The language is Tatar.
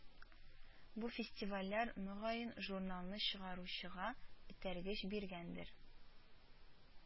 Бу фестивальләр, мөгаен, журналны чыгаруга этәргеч биргәндер